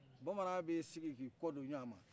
bamanan b'i sigi k'i kɔdon ɲɔɔma